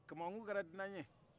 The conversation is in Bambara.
kamakun kɛra dunan ye